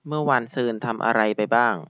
เมื่อวานซืนทำอะไรไปบ้าง